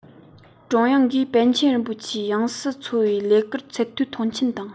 ཀྲུང དབྱང གིས པཎ ཆེན རིན པོ ཆེའི ཡང སྲིད འཚོལ བའི ལས ཀར ཚད མཐོའི མཐོང ཆེན དང